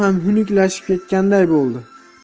ham xunuklashib ketganday bo'ldi